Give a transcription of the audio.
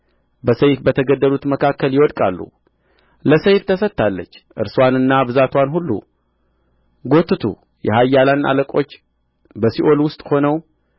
በሰይፍ በተገደሉት መካከል ይወድቃሉ ለሰይፍ ተሰጥታለች እርስዋንና ብዛትዋን ሁሉ ጐትቱ የኃያላን አለቆች በሲኦል ውስጥ ሆነው